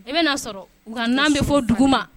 I bɛna na sɔrɔ n'an bɛ fɔ dugu ma